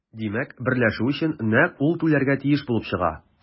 Димәк, берләшү өчен нәкъ ул түләргә тиеш булып чыга.